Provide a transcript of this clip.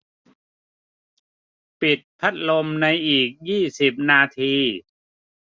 ปิดพัดลมในอีกยี่สิบนาที